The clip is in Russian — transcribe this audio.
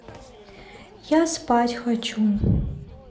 я спать хочу